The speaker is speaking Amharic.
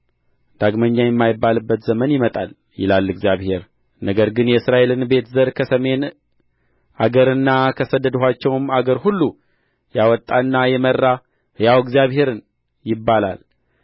ዳግመኛ የማይባልበት ዘመን ይመጣል ይላል እግዚአብሔር ነገር ግን የእስራኤልን ቤት ዘር ከሰሜን አገርና ካሰደድኋቸውም አገር ሁሉ ያወጣና የመራ ሕያው እግዚአብሔርን ይባላል